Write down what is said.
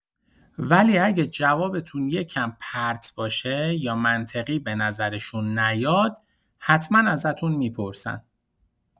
ولی اگر جوابتون یکم پرت باشه یا منطقی بنظرشون نیاد حتما ازتون می‌پرسن